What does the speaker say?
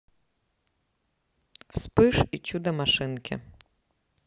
вспыш и чудо машинки